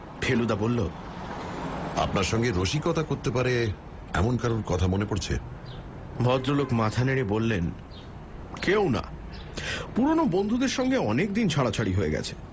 ফেলুদা বলল আপনার সঙ্গে রসিকতা করতে পারে এমন কারুর কথা মনে পড়ছে ভদ্রলোক মাথা নেড়ে বললেন কেউ না পুরনো বন্ধুদের সঙ্গে অনেকদিন ছাড়াছাড়ি হয়ে গেছে